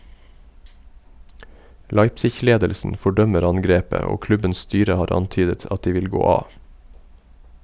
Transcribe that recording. Leipzig-ledelsen fordømmer angrepet og klubbens styre har antydet at de vil gå av.